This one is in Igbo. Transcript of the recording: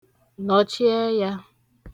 nọ̀chi ẹyā